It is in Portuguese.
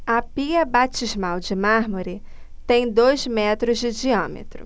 a pia batismal de mármore tem dois metros de diâmetro